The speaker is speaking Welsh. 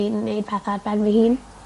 fi'n neud pethe ar ben fy hun.